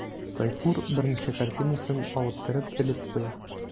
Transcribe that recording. Тайфур берничә картинасын алып кереп элеп куя.